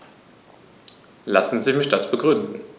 Lassen Sie mich das begründen.